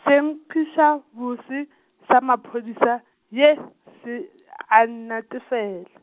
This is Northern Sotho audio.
senkgišabose sa maphodisa ye, se a nnatefela.